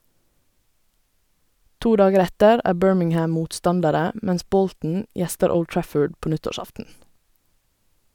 To dager etter er Birmingham motstandere, mens Bolton gjester Old Trafford på nyttårsaften.